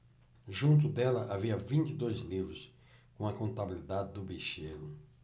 junto dela havia vinte e dois livros com a contabilidade do bicheiro